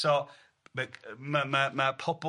So ma' ma' ma' ma' pobl